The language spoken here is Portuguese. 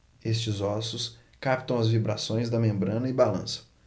estes ossos captam as vibrações da membrana e balançam